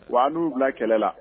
Wa a n'u bila kɛlɛ la.